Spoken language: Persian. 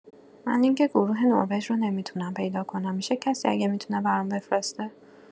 من لینک گروه نروژ رو نمی‌تونم پیدا کنم می‌شه کسی اگر می‌تونه برام بفرسته؟